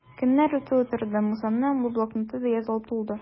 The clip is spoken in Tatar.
Көннәр үтә торды, Мусаның бу блокноты да язылып тулды.